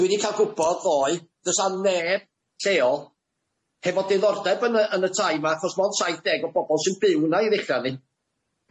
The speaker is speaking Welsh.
dwi di ca'l gwbod ddoe dy's na neb lleol hefo diddordeb yn y yn y tai ma' achos mond saith deg o bobol sy'n byw yna i ddechra arni.